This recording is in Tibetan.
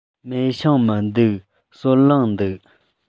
མེ ཤིང མི འདུག སོལ རླངས འདུག